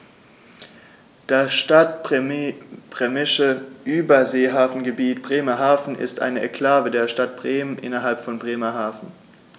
Das Stadtbremische Überseehafengebiet Bremerhaven ist eine Exklave der Stadt Bremen innerhalb von Bremerhaven.